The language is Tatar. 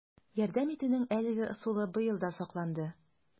Ярдәм итүнең әлеге ысулы быел да сакланды: